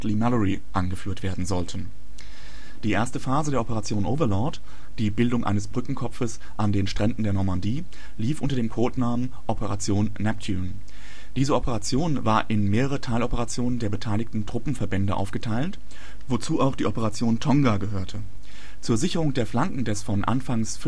Leigh-Mallory angeführt werden sollten. Die Erste Phase der Operation Overlord, die Bildung eines Brückenkopfes an den Stränden der Normandie, lief unter dem Codenamen Operation Neptune. Diese Operation war in mehrere Teiloperationen der beteiligten Truppenverbände aufgeteilt, wozu auch die Operation Tonga gehörte. Zur Sicherung der Flanken des von anfangs